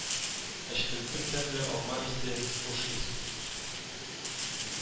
Әчкелтем тәмле алма исе, хуш ис